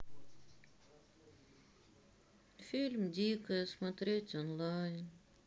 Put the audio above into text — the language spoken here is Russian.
фильм дикая смотреть онлайн